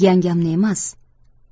yangamni emas